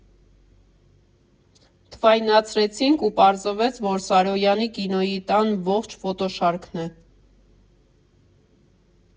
Թվայնացրեցինք ու պարզվեց, որ Սարոյանի՝ կինոյի տան ողջ ֆոտոշարքն է»։